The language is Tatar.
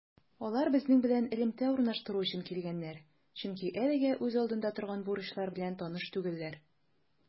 Алар безнең белән элемтә урнаштыру өчен килгәннәр, чөнки әлегә үз алдында торган бурычлар белән таныш түгелләр.